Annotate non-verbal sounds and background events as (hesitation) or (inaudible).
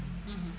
(hesitation) (hesitation)